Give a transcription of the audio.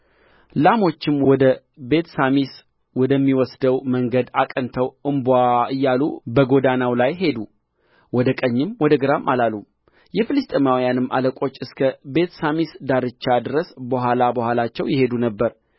ላሞችም ወደ ቤትሳሚስ ወደሚወስደው መንገድ አቅንተው እምቧ እያሉ በጎዳናው ላይ ሄዱ ወደ ቀኝም ወደ ግራም አላሉም የፍልስጥኤማውያንም አለቆች እስከ ቤትሳሚስ ዳርቻ ድረስ በኋላ በኋላቸው ይሄዱ ነበር